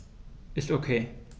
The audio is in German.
Ist OK.